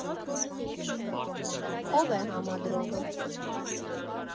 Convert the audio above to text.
Ո՞վ է համադրողը։